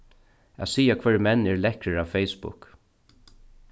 at siga hvørjir menn eru lekkrir á facebook